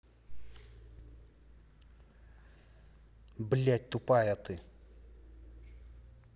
блядь тупая ты